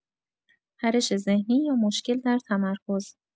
پرش ذهنی یا مشکل در تمرکز